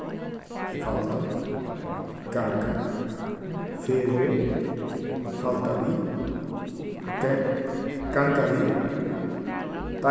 falda ganga ferðir faldað við gangað við